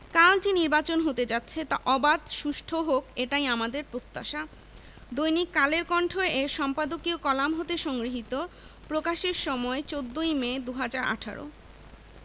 কাল যে নির্বাচন হতে যাচ্ছে তা অবাধ সুষ্ঠু হোক এটাই আমাদের প্রত্যাশা দৈনিক কালের কণ্ঠ এর সম্পাদকীয় কলাম হতে সংগৃহীত প্রকাশের সময় ১৪ মে ২০১৮